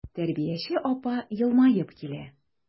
Тәрбияче апа елмаеп килә.